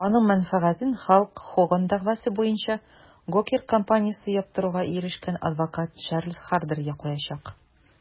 Аның мәнфәгатен Халк Хоган дәгъвасы буенча Gawker компаниясен яптыруга ирешкән адвокат Чарльз Хардер яклаячак.